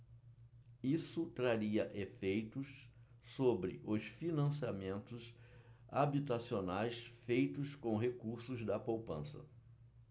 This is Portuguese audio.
isso traria efeitos sobre os financiamentos habitacionais feitos com recursos da poupança